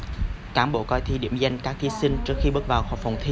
cán bộ coi thi điểm danh các thí sinh trước khi bước vào phòng thi